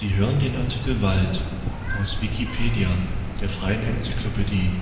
hören den Artikel Wald, aus Wikipedia, der freien Enzyklopädie